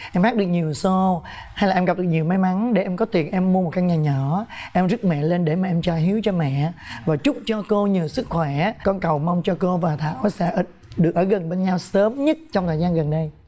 em hát được nhiều xô hay là em gặp được nhiều may mắn để em có tiền em mua một căn nhà nhỏ em rước mẹ lên để mà em cho hiếu cho mẹ và chúc cho cô nhiều sức khỏe con cầu mong cho cô và thảo sẽ được ở gần bên nhau sớm nhất trong thời gian gần đây